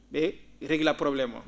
eeyi régla probléme oo